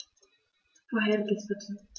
Vorheriges bitte.